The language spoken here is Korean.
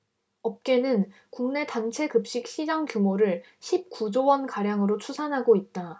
업계는 국내 단체급식 시장 규모를 십 구 조원가량으로 추산하고 있다